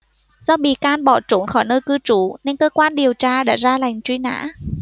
do bị can bỏ trốn khỏi nơi cư trú nên cơ quan điều tra đã ra lệnh truy nã